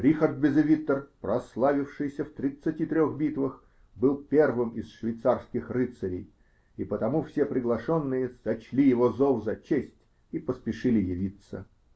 Рихард Безевиттер, прославившийся в тридцати трех битвах, был первым из швейцарских рыцарей, и потому все приглашенные сочли его зов за честь и поспешили явиться.